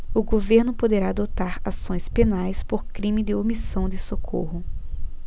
o governo poderá adotar ações penais por crime de omissão de socorro